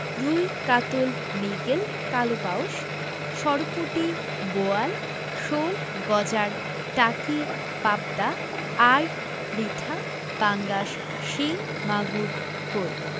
রুই কাতল মৃগেল কালবাউস সরপুঁটি বোয়াল শোল গজার টাকি পাবদা আইড় রিঠা পাঙ্গাস শিং মাগুর কৈ